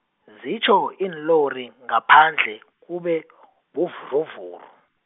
zitjho iinlori ngaphandle, kube buvuruvuru.